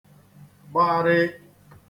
gbarịị